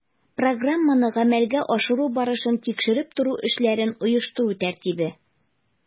Программаны гамәлгә ашыру барышын тикшереп тору эшләрен оештыру тәртибе